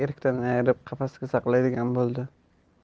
erkdan ayirib qafasda saqlaydigan bo'ldi